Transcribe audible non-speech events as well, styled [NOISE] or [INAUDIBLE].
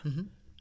[HESITATION] [HESITATION]